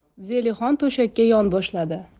zelixon to'shakka yonboshladi